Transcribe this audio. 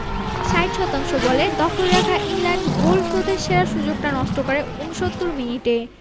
৬০ শতাংশ বলের দখল রাখা ইংল্যান্ড গোল শোধের সেরা সুযোগটা নষ্ট করে ৬৯ মিনিটে